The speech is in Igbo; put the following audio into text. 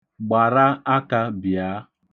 Gbara aka bịa.